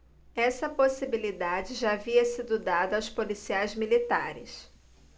essa possibilidade já havia sido dada aos policiais militares